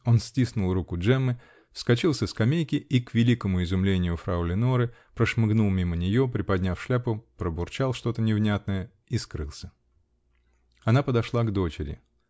Он стиснул руку Джеммы, вскочил со скамейки -- и, к великому изумлению фрау Леноры, прошмыгнул мимо ее, приподняв шляпу, пробурчал что-то невнятное -- и скрылся. Она подошла к дочери.